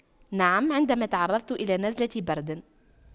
نعم عندما تعرضت إلى نزلة برد